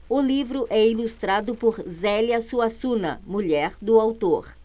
o livro é ilustrado por zélia suassuna mulher do autor